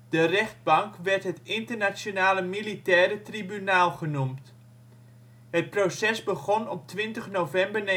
De rechtbank werd het Internationale Militaire Tribunaal genoemd. Het proces begon op 20 november 1945